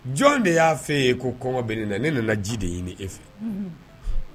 Jɔn de y'a f'e ye ko kɔngɔ bɛ na, ne nana ji de ɲini i fɛ.